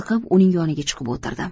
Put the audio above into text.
uning yoniga chiqib o'tirdim